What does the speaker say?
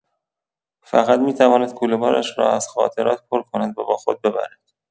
فقط می‌توانست کوله‌بارش را از خاطرات پر کند و با خود ببرد.